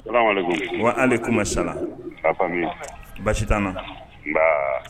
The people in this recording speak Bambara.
Salamu aleyikumu, la famille baasi t'an na, nba